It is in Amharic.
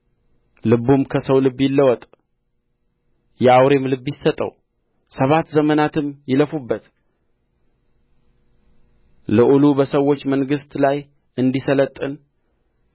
ልቡም ከሰው ልብ ይለወጥ የአውሬም ልብ ይሰጠው ሰባት ዘመናትም ይለፉበት ልዑሉ በሰዎች መንግሥት ላይ እንዲሠለጥን